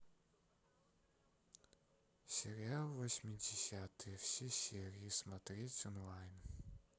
сериал восьмидесятые все серии смотреть онлайн